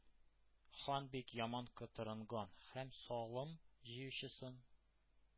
Хан бик яман котырынган һәм салым җыючысын